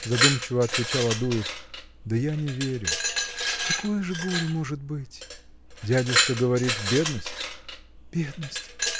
– задумчиво отвечал Адуев, – да я не верю. – Какое же горе может быть? – Дядюшка говорит – бедность. – Бедность!